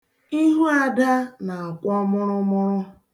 Ihu Ada na-akwọ mụrụmụrụ.